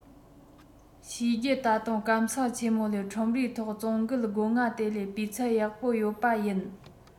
གཤིས རྒྱུད ད དུང སྐམ ས ཆེན མོ ལས ཁྲོམ རའི ཐོག བཙོང གི སྒོ ང དེ ལས སྤུས ཚད ཡག པོ ཡོད པ ཡིན